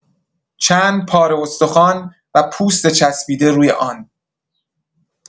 چند پاره استخوان و پوست چسبیده روی آن.